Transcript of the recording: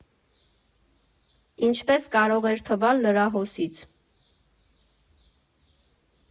Ինչպես կարող էր թվալ լրահոսից։